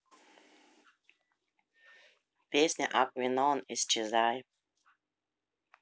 песня aquaneon исчезай